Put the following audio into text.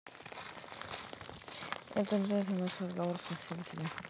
это джой за наш разговор спасибо тебе